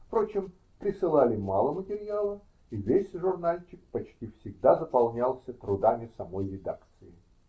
впрочем, присылали мало материала, и весь журнальчик почти всегда заполнялся трудами самой редакции.